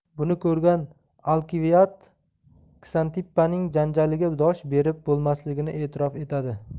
buni ko'rgan alkiviad ksantippaning janjaliga dosh berib bo'lmasligini etirof etadi